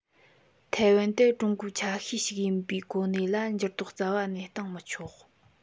ཐའེ ཝན དེ ཀྲུང གོའི ཆ ཤས ཤིག ཡིན པའི གོ གནས ལ འགྱུར ལྡོག རྩ བ ནས བཏང མི ཆོག